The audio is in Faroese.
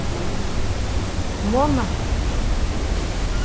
monako